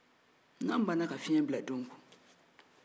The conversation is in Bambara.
n'an bana ka fiyɛn bila denw kun